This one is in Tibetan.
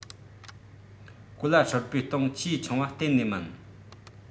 གོ ལ ཧྲིལ པོའི སྟེང ཆེས ཆུང བ གཏན ནས མིན